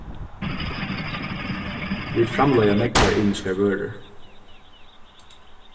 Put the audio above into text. vit framleiða nógvar ymiskar vørur